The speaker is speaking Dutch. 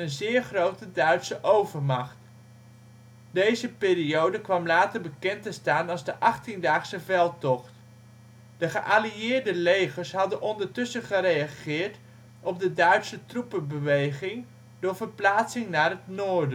zeer grote Duitse overmacht. Deze periode kwam later bekend te staan als de Achttiendaagse Veldtocht. De geallieerde legers hadden ondertussen gereageerd op de Duitse troepenbeweging door verplaatsing naar het noorden. Men